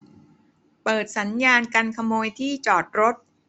เปิดสัญญาณกันขโมยที่จอดรถ